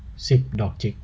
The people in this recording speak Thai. สิบดอกจิก